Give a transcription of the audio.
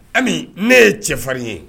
Hali ne ye cɛfarin ye